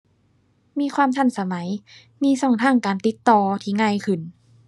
มีความทันสมัย มีช่องทางการติดต่อที่ง่ายขึ้น